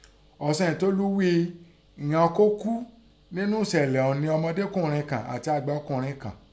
Ọ̀sanyìntólú ghí i ńnú ighọn kó kú ńnú ẹ̀ṣẹ̀lẹ̀ ọ̀ún nẹ ọmọdékùnrin kàn àti àgbàlagbà ọkùnrin kàn.